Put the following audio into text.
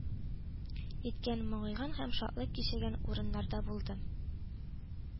Иткән, моңайган һәм шатлык кичергән урыннарда булдым